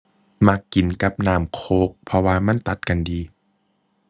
มักกินกับน้ำโค้กเพราะว่ามันตัดกันดี